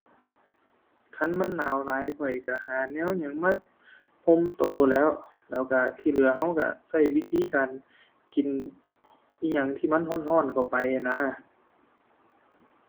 คันมันหนาวหลายข้อยก็หาแนวหยังมาห่มก็แหล้ว แล้วก็ที่เหลือก็ก็ใช้วิธีการกินอิหยังที่มันก็ก็เข้าไปนั่นนะ